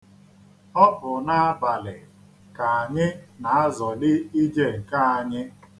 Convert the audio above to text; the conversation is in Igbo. Ọ bụ n'abalị ka anyị na-azọlị ije nke anyị.